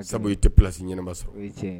Sabu i tɛ place ɲɛnaman sɔrɔ, o ye tiɲɛ ye